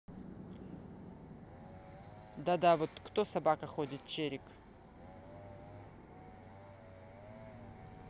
да да вот кто собака ходит черик